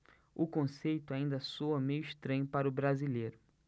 o conceito ainda soa meio estranho para o brasileiro